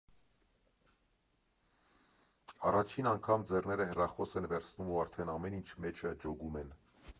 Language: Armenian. Առաջին անգամ ձեռները հեռախոս են վերցնում ու արդեն ամեն ինչ մեջը ջոգում ե՜ն։